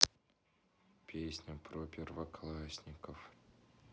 песня про первоклассников